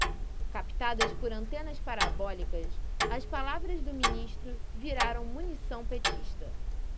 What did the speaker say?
captadas por antenas parabólicas as palavras do ministro viraram munição petista